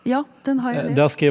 ja den har jeg lest.